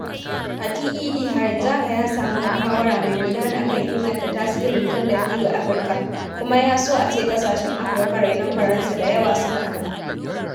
A TED, Harinjaka ya samu muhawara mai gudana kan inganta tasirin tallafi ga Afirka, kuma ya so ace ƙasashen Afirka rainon Faransa da yawa suna nan.